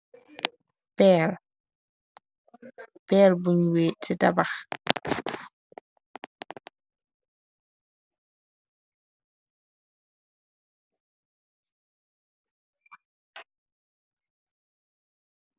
Peerpeer buñ wée ti tabax.